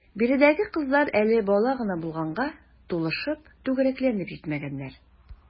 Биредәге кызлар әле бала гына булганга, тулышып, түгәрәкләнеп җитмәгәннәр.